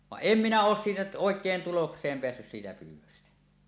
vaan en minä ole siitä oikein tulokseen päässyt siitä pyydöstä